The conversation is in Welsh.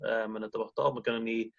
yym yn y dyfodol ma' gynnon ni